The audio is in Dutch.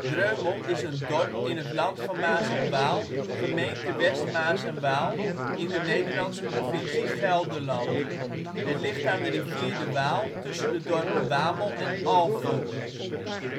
Dreumel is een dorp in het Land van Maas en Waal, gemeente West Maas en Waal, in de Nederlandse provincie Gelderland. Het ligt aan de rivier de Waal tussen de dorpen Wamel en Alphen.